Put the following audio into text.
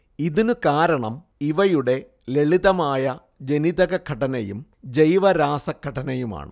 ഇതിനു കാരണം ഇവയുടെ ലളിതമായ ജനിതക ഘടനയും ജൈവരാസഘടനയുമാണ്